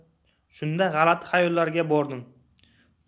shunda g'alati xayollarga bordim